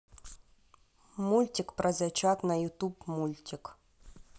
мультик про зайчат на ютуб мультик